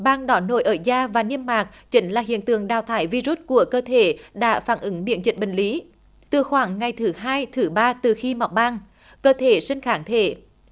ban đỏ nổi ở da và niêm mạc chính là hiện tượng đào thải vi rút của cơ thể đã phản ứng miễn dịch bệnh lý từ khoảng ngày thứ hai thứ ba từ khi mọc ban cơ thể sinh kháng thể